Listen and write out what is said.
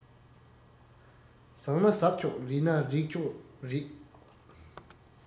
ཟག ན ཟག ཆོག རིལ ན རིལ ཆོག རེད